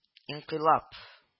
Инкыйлап…